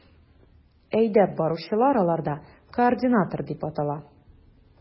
Әйдәп баручылар аларда координатор дип атала.